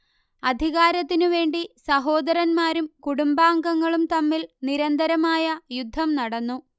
അധികാരത്തിനുവേണ്ടി സഹോദരന്മാരും കുടുംബാംഗങ്ങളും തമ്മിൽ നിരന്തരമായ യുദ്ധം നടന്നു